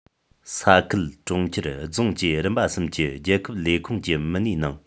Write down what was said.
ས ཁུལ གྲོང ཁྱེར རྫོང བཅས རིམ པ གསུམ གྱི རྒྱལ ཁབ ལས ཁུངས ཀྱི མི སྣའི ནང